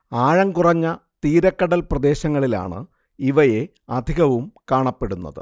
ആഴം കുറഞ്ഞ തീരക്കടൽ പ്രദേശങ്ങളിലാണ് ഇവയെ അധികവും കാണപ്പെടുന്നത്